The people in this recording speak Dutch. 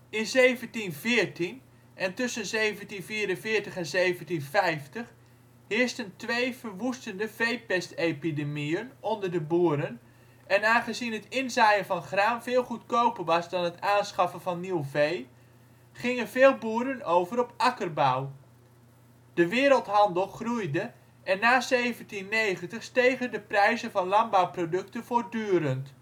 In 1714 en tussen 1744 en 1750 heersten twee verwoestende veepestepidemieën onder de boeren en aangezien het inzaaien van graan veel goedkoper was dan het aanschaffen van nieuw vee gingen veel boeren over op akkerbouw. De wereldhandel groeide en na 1790 stegen de prijzen van landbouwproducten voortduren